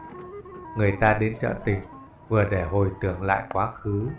người ta đến chợ tình vừa để hồi tưởng lại quá khứ